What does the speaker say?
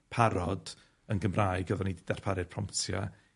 parod yn Gymraeg, oddan ni 'di darparu'r promptia